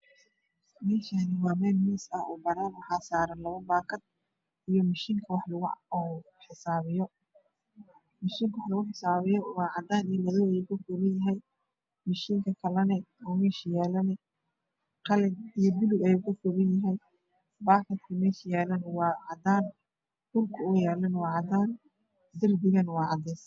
Meshan waa meel miisah oo banaan waxaana saaran labo baakad iyo masheenka wax xisaabiyo mashiinka wax lagu xisaabiyo waa cadan iyo madow ayuu kakoobanyhy mshiinka kale ee meesha yaalane qalin iyo below ayuu kakoobanyhy baakadka meesha yaalene waa cadaan dhulka uu yaalen wacadeys darbigane waa cadeys